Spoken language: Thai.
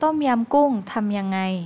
ต้มยำกุ้งทำยังไง